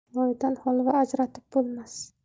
loydan holva ajratib bo'lmas